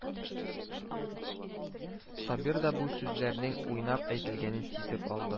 Сабир да бу сүзләрнең уйнап әйтелгәнен сизеп алды